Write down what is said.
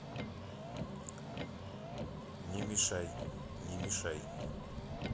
не мешай не мешай